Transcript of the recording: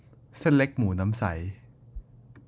เส้นเล็กหมูน้ำใส